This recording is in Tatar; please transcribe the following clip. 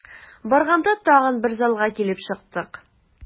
Барганда тагын бер залга килеп чыктык.